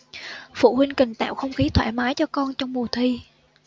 phụ huynh cần tạo không khí thoải mái cho con trong mùa thi